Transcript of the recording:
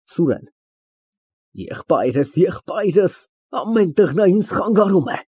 ՍՈՒՐԵՆ ֊ Եղբայրս, եղբայրս, ամեն տեղ նա ինձ խանգարում է։